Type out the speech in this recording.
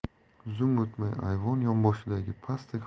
zum o'tmay ayvon yonboshidagi pastak